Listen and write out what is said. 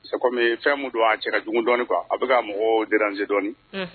Sabu kɔmi fɛn don a cɛ ka jugu dɔnɔni kuwa a bɛ ka mɔgɔ derane dɔnni